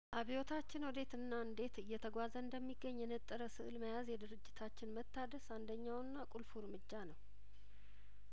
አብዮታችን ወዴትና እንዴት እየተጓዘ እንደሚገኝ የነጠረ ስእል መያዝ የድርጅታችን መታደስ አንደኛውና ቁልፉ እርምጃ ነው